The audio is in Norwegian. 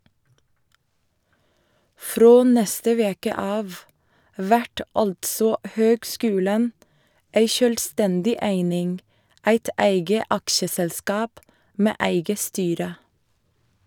Frå neste veke av vert altså høgskulen ei sjølvstendig eining, eit eige aksjeselskap med eige styre.